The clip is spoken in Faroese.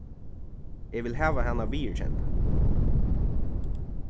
eg vil hava hana viðurkenda